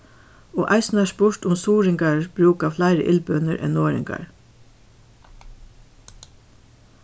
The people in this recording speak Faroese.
og eisini var spurt um suðuroyingar brúka fleiri illbønir enn norðoyingar